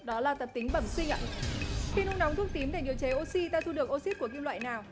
đó là tập tính bẩm sinh ạ khi nung nóng thuốc tím để điều chế ô xi ta thu được ô xít của kim loại nào